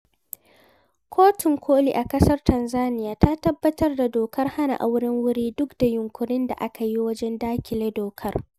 Kotun ƙoli a ƙasar Tanzaniya ta tabbatar da dokar hana auren wuri duk da yunƙurin da aka yi wajen daƙile dokar.